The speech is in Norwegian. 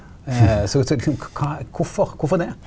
så så kva kvifor kvifor det?